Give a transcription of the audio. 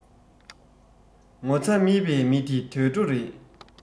ངོ ཚ མེད པའི མི དེ དུད འགྲོ རེད